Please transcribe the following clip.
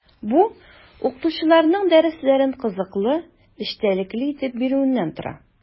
Бу – укытучыларның дәресләрен кызыклы, эчтәлекле итеп бирүеннән тора.